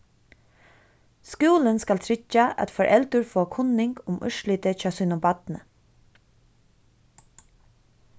skúlin skal tryggja at foreldur fáa kunning um úrslitið hjá sínum barni